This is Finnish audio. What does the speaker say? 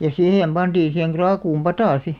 ja siihen pantiin siihen kraakkuun pata sitten